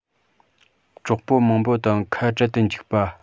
གྲོགས པོ མང པོ དང ཁ འབྲལ དུ འཇུག པ